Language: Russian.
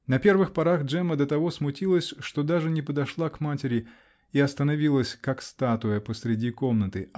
На первых порах Джемма до того смутилась, что даже не подошла к матери -- и остановилась, как статуя, посреди комнаты